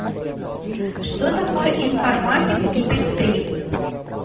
что такое информатик гибель три